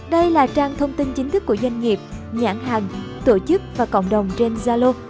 đây là trang thông tin chính thức của doanh nghiệp nhãn hàng tổ chức và cộng đồng trên zalo